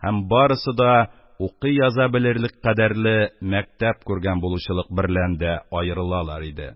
Һәм барысы да укый-яза белерлек кадәрле мәктәп күргән булучылык берлән дә аерылалар иде.